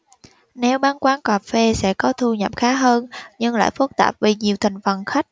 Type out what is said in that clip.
nếu bán quán cà phê sẽ có thu nhập khá hơn nhưng lại phức tạp vì nhiều thành phần khách